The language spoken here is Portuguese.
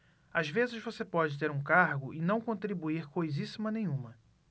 às vezes você pode ter um cargo e não contribuir coisíssima nenhuma